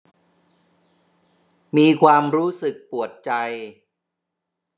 มีความรู้สึกปวดใจ